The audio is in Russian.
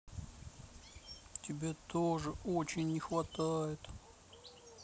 тебе тоже очень не хватает